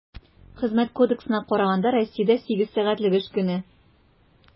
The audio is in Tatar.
Хезмәт кодексына караганда, Россиядә сигез сәгатьлек эш көне.